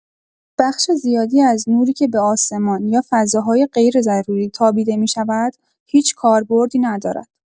بخش زیادی از نوری که به آسمان یا فضاهای غیرضروری تابیده می‌شود، هیچ کاربردی ندارد.